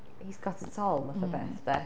He's got it all fath o beth de.